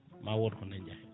ma wood ko dañɗa hen